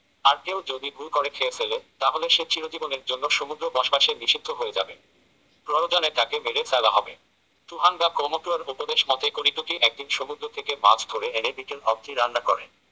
আর কেউ যদি ভুল করে খেয়ে ফেলে তাহলে সে চিরজীবনের জন্য সমুদ্র বসবাসে নিষিদ্ধ হয়ে যাবে প্রয়োজনে তাকে মেরে ফেলা হবে টুহাঙ্গা কৌমটুয়ার উপদেশ মতে করিটুকি একদিন সমুদ্র থেকে মাছ ধরে এনে বিকেল অব্ধি রান্না করে